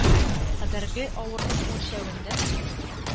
Кадәрге авырлык үлчәвендә